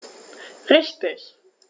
Richtig